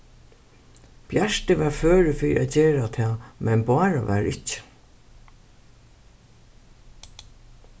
bjarti var førur fyri at gera tað men bára var ikki